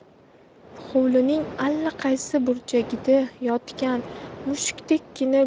hovlining allaqaysi burchagida yotgan mushukdekkina